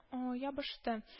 Ябышты